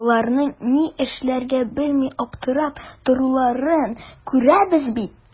Боларның ни эшләргә белми аптырап торуларын күрәбез бит.